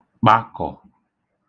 kpakọ̀